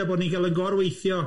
A bod ni'n cael ein gorweithio.